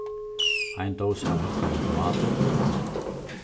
ein dós av hakkaðum tomatum